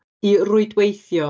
I rwydweithio.